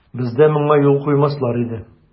Бездә моңа юл куймаслар иде.